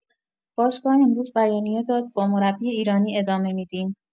باشگاه امروز بیانیه داد با مربی ایرانی ادامه می‌دیم